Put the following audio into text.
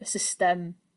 y system